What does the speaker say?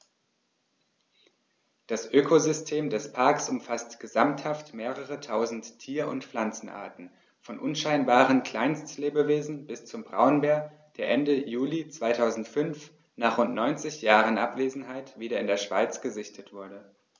Das Ökosystem des Parks umfasst gesamthaft mehrere tausend Tier- und Pflanzenarten, von unscheinbaren Kleinstlebewesen bis zum Braunbär, der Ende Juli 2005, nach rund 90 Jahren Abwesenheit, wieder in der Schweiz gesichtet wurde.